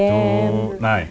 to nei.